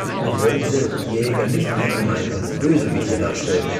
Er wollte Jäger nicht allgemein als Bösewichte darstellen